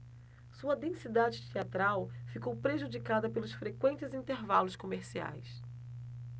sua densidade teatral ficou prejudicada pelos frequentes intervalos comerciais